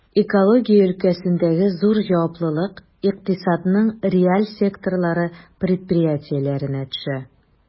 Экология өлкәсендәге зур җаваплылык икътисадның реаль секторлары предприятиеләренә төшә.